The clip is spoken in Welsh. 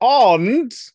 Ond!